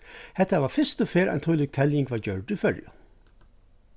hetta var fyrstu ferð ein tílík teljing varð gjørd í føroyum